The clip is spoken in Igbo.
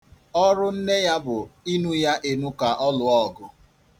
Ọrụ nne ya bụ inu ya enu ka ọ lụọ ọgụ.